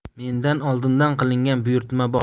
mendan oldindan qilingan buyurtma bor